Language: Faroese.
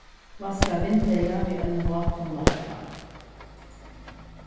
vaska vindeygað við einum vátum lappa